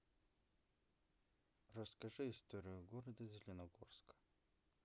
расскажи историю города зеленогорска